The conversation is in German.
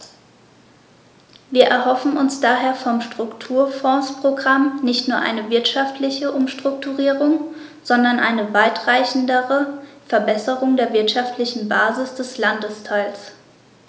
Wir erhoffen uns daher vom Strukturfondsprogramm nicht nur eine wirtschaftliche Umstrukturierung, sondern eine weitreichendere Verbesserung der wirtschaftlichen Basis des Landesteils.